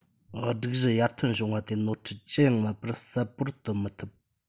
སྒྲིག གཞི ཡར ཐོན བྱུང བ དེ ནོར འཁྲུལ ཅི ཡང མེད པར གསལ པོར སྟོན མི ཐུབ